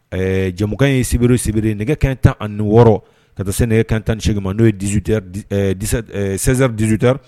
Ɛɛ jɛmukan ye sibiri sibiri nɛgɛ kanɲɛ 16 ka taa se kanɲɛ 18 ma n'o ye dix heure seize heure dix-huit heure